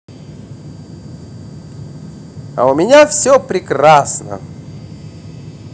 а у меня все прекрасно